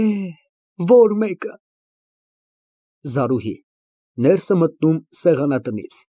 Էհ, որ մեկը… ԶԱՐՈՒՀԻ ֊ (Ներս է մտնում սեղանատնից)։